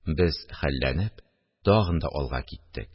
Без, хәлләнеп, тагын да алга киттек